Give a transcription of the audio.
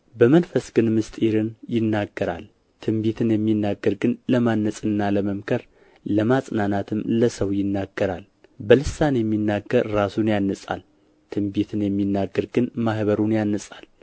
በመንፈስ ግን ምሥጢርን ይናገራል ትንቢትን የሚናገር ግን ለማነጽና ለመምከር ለማጽናናትም ለሰው ይናገራል በልሳን የሚናገር ራሱን ያንጻል ትንቢትን የሚናገር ግን ማኅበሩን ያንጻል